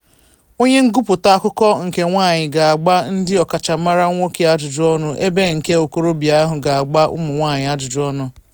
Onye ngụpụta akụkọ nke nwaanyị ga-agba ndị ọkachamara nwoke ajụjụọnụ, ebe nke okorobịa ahụ ga-agba ụmụnwaanyị ajụjụọnụ.